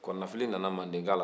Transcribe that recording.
kɔnɔnafili nana mandenka la